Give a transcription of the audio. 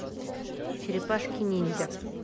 мультфильм черепашки ниндзя